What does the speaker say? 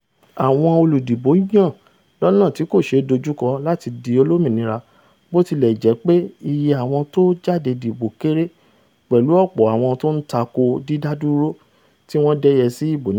Àwọn olùdìbò yàn lọ́ná tí kòṣeé dojúkọ láti di olómìnira, botilẹjepe iye àwọn tó jáde dìbò kéré pẹ̀lú ọ̀pọ̀ àwọn tó ńtako dídádúró tíwọn dẹ́yẹ sí ìbò náà.